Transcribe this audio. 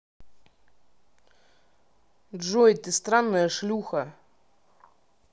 джой ты странная шлюха